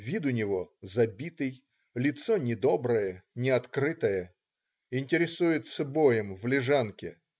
Вид у него забитый, лицо недоброе, неоткрытое. Интересуется боем в Лежанке.